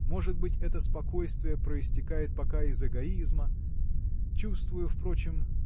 может быть, это спокойствие проистекает пока из эгоизма чувствую впрочем